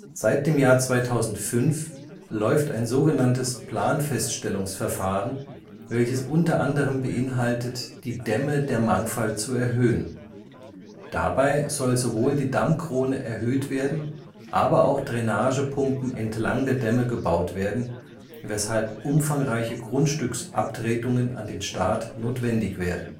Derzeit (2005) läuft ein so genanntes Planfeststellungsverfahren, welches unter anderem beinhaltet, die Dämme der Mangfall zu erhöhen. Dabei soll sowohl die Dammkrone erhöht werden, aber auch Drainage-Pumpen entlang der Dämme gebaut werden, weshalb umfangreiche Grundstücksabtretungen an den Staat notwendig werden